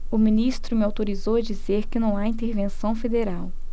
o ministro me autorizou a dizer que não há intervenção federal